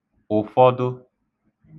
ụ̀fọdụ